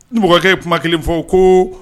Ni dɔgɔkɛ ye kuma kelen fɔ ko